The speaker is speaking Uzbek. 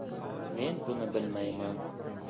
men buni bilmayman